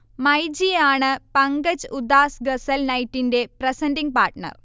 മൈജി ആണ് പങ്കജ് ഉധാസ് ഗസൽ നൈറ്റിന്റെ പ്രസന്റിംഗ് പാർട്ണർ